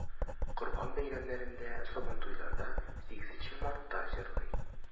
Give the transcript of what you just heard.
Корбан бәйрәмнәрендә, Сабантуйларда, 8 Мартта җырлый.